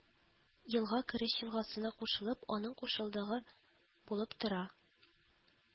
Елга Кереч елгасына кушылып, аның кушылдыгы булып тора